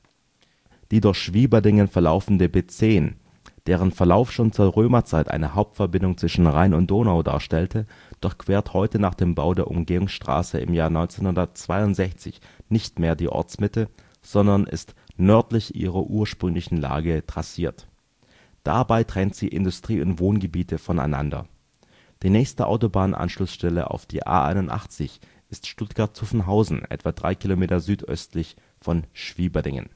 Die durch Schwieberdingen verlaufende B10, deren Verlauf schon zur Römerzeit eine Hauptverbindung zwischen Rhein und Donau darstellte, durchquert heute nach dem Bau der Umgehungsstraße im Jahr 1962 nicht mehr die Ortsmitte, sondern ist nördlich ihrer ursprünglichen Lage trassiert. Dabei trennt sie Industrie - und Wohngebiet voneinander. Die nächste Autobahn-Anschlussstelle auf die A 81 ist Stuttgart-Zuffenhausen etwa 3 km südöstlich von Schwieberdingen